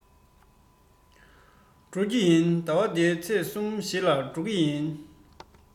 འགྲོ རྒྱུ ཡིན ཟླ བ འདིའི ཚེས གསུམ བཞི ཅིག ལ འགྲོ གི ཡིན